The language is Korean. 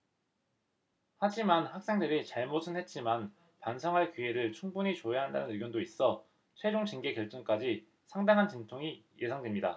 하지만 학생들이 잘못은 했지만 반성할 기회를 충분히 줘야 한다는 의견도 있어 최종 징계 결정까지 상당한 진통이 예상됩니다